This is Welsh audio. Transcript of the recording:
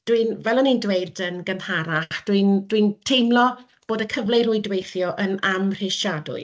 dwi'n... fel o'n i'n dweud yn gynharach, dwi'n dwi'n teimlo bod y cyfle i rwydweithio yn amhrisiadwy.